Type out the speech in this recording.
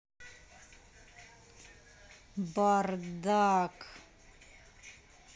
бардак